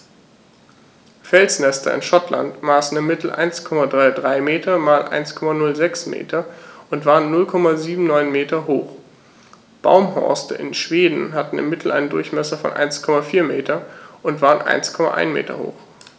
Felsnester in Schottland maßen im Mittel 1,33 m x 1,06 m und waren 0,79 m hoch, Baumhorste in Schweden hatten im Mittel einen Durchmesser von 1,4 m und waren 1,1 m hoch.